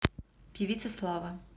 певица слава